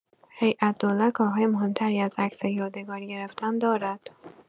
هیات دولت کارهای مهم‌تری از عکس یادگاری گرفتن دارد!